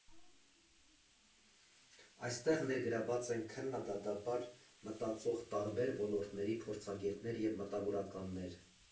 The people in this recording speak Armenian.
Այստեղ ներգրավված են քննադատաբար մտածող տարբեր ոլորտների փորձագետներ և մտավորականներ։